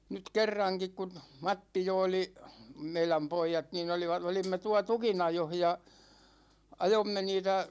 nyt kerrankin kun Matti jo oli meidän pojat niin - olimme tuolla tukinajossa ja ajoimme niitä